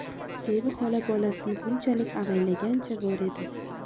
zebi xola bolasini bunchalik avaylagancha bor edi